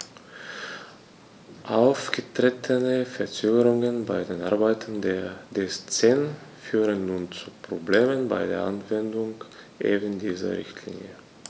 Aufgetretene Verzögerungen bei den Arbeiten des CEN führen nun zu Problemen bei der Anwendung eben dieser Richtlinie.